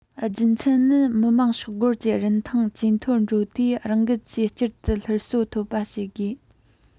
རྒྱུ མཚན ནི མི དམངས ཤོག སྒོར གྱི རིན ཐང ཇེ མཐོར འགྲོ ཏེ རང འགུལ གྱིས བསྐྱར དུ སླར གསོ ཐོབ པ བྱེད དགོས